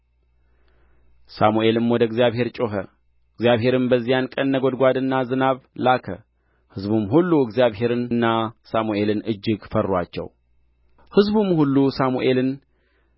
ሙኤልም ወደ እግዚአብሔር ጮኸ እግዚአብሔርም በዚያን ቀን ነጐድጓድና ዝናብ ላከ ሕዝቡም ሁሉ እግዚአብሔርንና ሳሙኤልን እጅግ ፈሩአቸው ሕዝቡም ሁሉ ሳሙኤልን